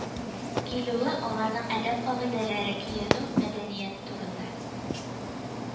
Килүе, аларның әдәп кагыйдәләре, киенү мәдәнияте турында